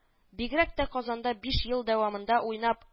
Бигрәк тә Казанда биш ел дәвамында уйнап